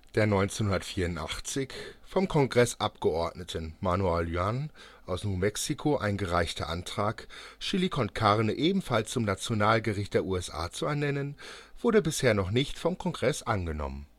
Der 1984 vom Kongressabgeordneten Manuel Lujan aus New Mexico eingereichte Antrag, Chili con Carne ebenfalls zum Nationalgericht der USA zu ernennen, wurde bisher noch nicht vom Kongress angenommen